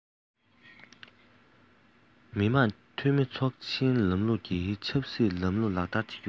མི དམངས འཐུས མི ཚོགས ཆེན ལམ ལུགས ཀྱི ཆབ སྲིད ལམ ལུགས ལག ལེན བསྟར བ